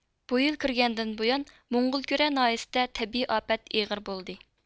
بۇ يىل كىرگەندىن بۇيان موڭغۇلكۈرە ناھىيىسىدە تەبىئىي ئاپەت ئېغىر بولدى